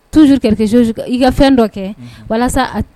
Tozuru i ka fɛn dɔ kɛ walasa